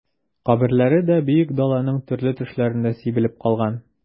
Каберләре дә Бөек Даланың төрле төшләрендә сибелеп калган...